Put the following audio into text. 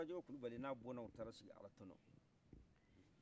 surakajɛkɛ kulubali n'a ka bɔna u tara sigi alatono